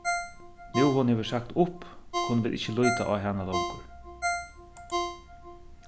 nú hon hevur sagt upp kunnu vit ikki líta á hana longur